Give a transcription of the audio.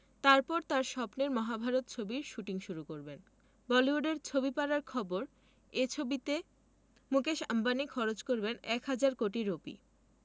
তারপর তাঁর স্বপ্নের মহাভারত ছবির শুটিং শুরু করবেন বলিউডের ছবিপাড়ার খবর এই ছবিতে মুকেশ আম্বানি খরচ করবেন এক হাজার কোটি রুপি